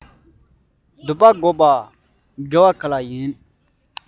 འདོད པ འགོག པ དགེ བ ག ལ ཡིན